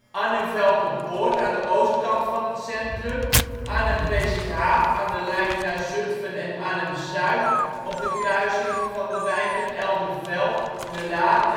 Arnhem Velperpoort aan de oostkant van het centrum, Arnhem Presikhaaf aan de lijn naar Zutphen en Arnhem Zuid op de kruising van de wijken Elderveld, De Laar